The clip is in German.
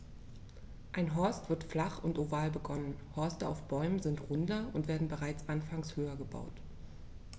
Ein Horst wird flach und oval begonnen, Horste auf Bäumen sind runder und werden bereits anfangs höher gebaut.